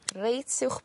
reit uwch